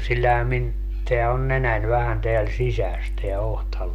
sillähän minun tämä on nenän vähän täällä sisässä tämä otsaluu